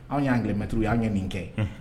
Anw y'anlɛmɛti y'an kɛ nin kɛ